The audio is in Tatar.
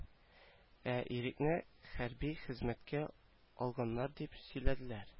Ә ирекне хәрби хезмәткә алганнар дип сөйләделәр